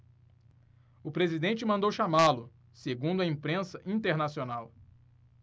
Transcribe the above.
o presidente mandou chamá-lo segundo a imprensa internacional